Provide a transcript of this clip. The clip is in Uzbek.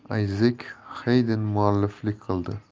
himoyachisi ayzek xeyden mualliflik qildi